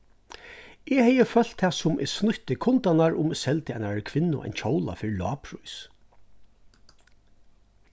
eg hevði følt tað sum eg snýtti kundarnar um eg seldi einari kvinnu ein kjóla fyri lágprís